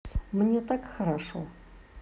мне так хорошо